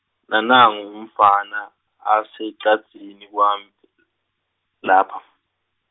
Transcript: Nanangu umfana asecadzini kwam- lapha.